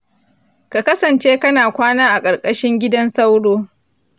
ka kasance kana kwana a ƙarƙashin gidan sauro